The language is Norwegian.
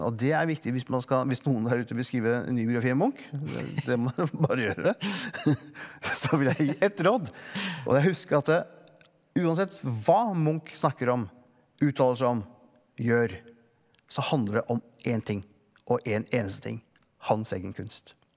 og det er viktig hvis man hvis noen her ut vil skrive en ny biografi om Munch det må dere bare gjøre så vil jeg gi ett råd og det er å huske at uansett hva Munch snakker om uttaler seg om gjør så handler det om én ting og én eneste ting hans egen kunst.